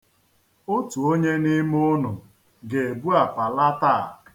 Otu onye n'ime unu ga-ebu apa laa taa.